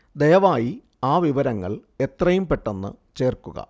ദയവായി ആ വിവരങ്ങള്‍ എത്രയും പെട്ടെന്ന് ചേര്‍ക്കുക